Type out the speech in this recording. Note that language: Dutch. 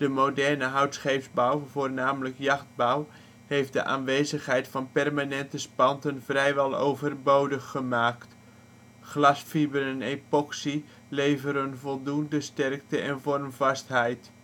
moderne hout-scheepsbouw (voornamelijk jachtbouw) heeft de aanwezigheid van permanente spanten vrijwel overbodig gemaakt. Glasfiber en epoxy leveren voldoende sterkte en vormvastheid